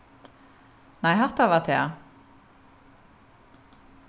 nei hatta var tað